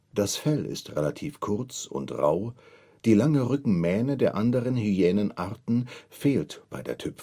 Das Fell ist relativ kurz und rau, die lange Rückenmähne der anderen Hyänenarten fehlt bei der